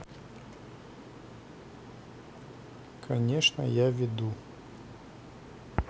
конечно я веду